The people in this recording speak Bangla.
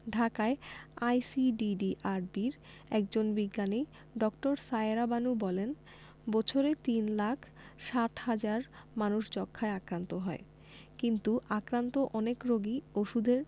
ঢাকায় আইসিডিডিআরবির একজন বিজ্ঞানী ড. সায়েরা বানু বলেন বছরে তিন লাখ ৬০ হাজার মানুষ যক্ষ্মায় আক্রান্ত হয় কিন্তু আক্রান্ত অনেক রোগী ওষুধের